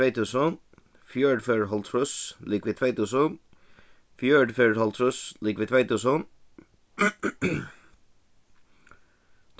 tvey túsund fjøruti ferðir hálvtrýss ligvið tvey túsund fjøruti ferðir hálvtrýss ligvið tvey túsund